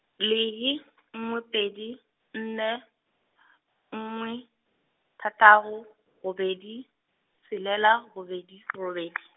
lehe , nngwe pedi, nne , nngwe, tha tharo, robedi, tshelela, robedi, robedi.